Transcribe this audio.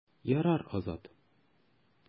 Ярар, Азат.